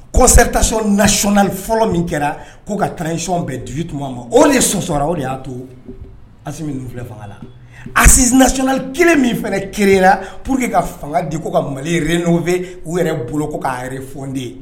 Kɔɛtaso nasonli fɔlɔ min kɛra k'u ka taacɔn bɛn dusu tuma ma o de sonsɔ o de y'a to filɛ fangala asi nasononali kelen min fana kelen pour que ka fanga de ko ka mali n fɛ u yɛrɛ bolo ko'a yɛrɛ fden